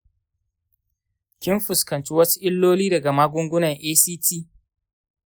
kin fuskanci wasu illoli daga magungunan act?